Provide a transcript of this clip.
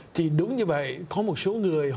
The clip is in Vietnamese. thì đúng như vậy có một số người